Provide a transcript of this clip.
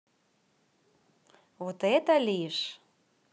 вот это лишь